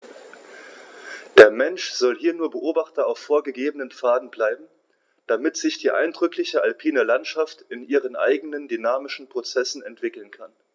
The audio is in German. Der Mensch soll hier nur Beobachter auf vorgegebenen Pfaden bleiben, damit sich die eindrückliche alpine Landschaft in ihren eigenen dynamischen Prozessen entwickeln kann.